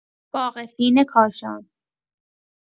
باغ فین کاشان